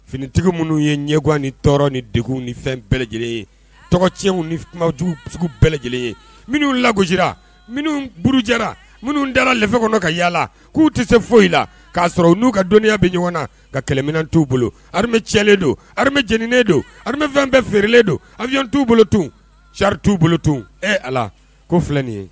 Finitigiw minnu ye ɲɛwan ni tɔɔrɔ ni de ni fɛn bɛɛlɛ lajɛlen ye tɔgɔ cɛyɛn ni kumaju bɛɛlɛ lajɛlen ye minnu lagosira minnu burujɛ minnu dalalɛfɛ kɔnɔ ka yalala k'u tɛ se foyi i la k'a sɔrɔ u n'u ka dɔnniya bɛ ɲɔgɔn na ka kɛlɛminɛ t'u bolo cɛlen don jeninen donmɛfɛn bɛɛ feereerelen don abiy t'u bolo tun cari t'u bolo tun e ala ko filɛ nin ye